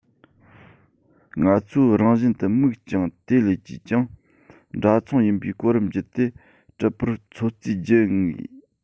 ང ཚོས རང བཞིན དུ མིག ཀྱང དེ ལ ཅིས ཀྱང འདྲ མཚུངས ཡིན པའི གོ རིམ བརྒྱུད དེ གྲུབ པར ཚོད རྩིས བགྱི ངེས